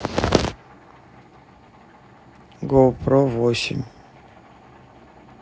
гоу про восемь